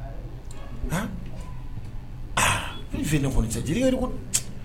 Ne fɔ cɛ jiri ko